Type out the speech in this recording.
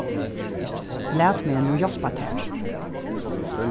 lat meg nú hjálpa tær